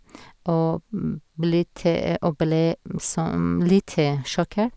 og blitt Og ble som litt sjokkert.